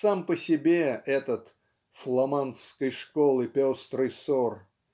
Сам по себе этот "фламандской школы пестрый сор"